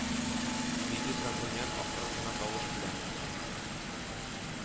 Диде сандунян акрын гына тавыш белән